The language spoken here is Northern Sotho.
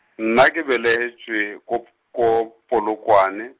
nna ke belegetšwe, ko P-, ko Polokwane.